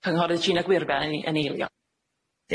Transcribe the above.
Cynghorydd Gina Gwyrfai yn eilio.